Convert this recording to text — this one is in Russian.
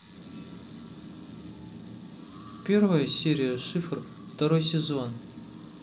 первая серия шифр второй сезон